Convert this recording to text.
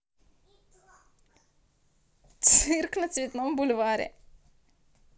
цирк на цветном бульваре